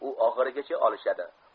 u oxirigacha olishadi